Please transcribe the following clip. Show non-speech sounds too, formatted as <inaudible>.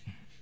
<hesitation> <hesitation>